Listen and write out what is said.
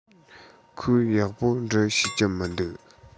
ཁོས ཡག པོ འབྲི ཤེས ཀྱི མི འདུག